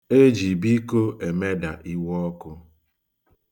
E ji biko emeda iwe ọkụ.